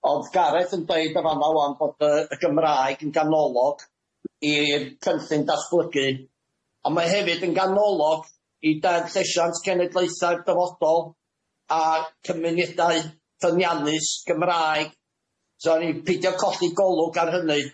Odd Gareth yn deud yn fama ŵan bod yy y Gymraeg yn ganolog i'r cyllyn datblygu a mae hefyd yn ganolog i deddf llesiant cenedlaethau'r dyfodol a cymunedau ffyniannus Gymraeg so o'n i'n pidio colli golwg ar hynny.